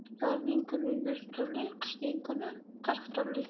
yozning kuni yuz turli qishning kuni qirq turli